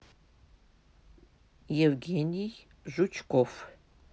евгений жучков